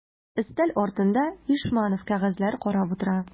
Өстәл артында Ишманов кәгазьләр карап утыра.